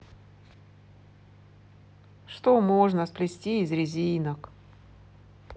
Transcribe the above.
что можно сплести из резинок